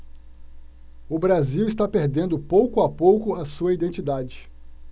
o brasil está perdendo pouco a pouco a sua identidade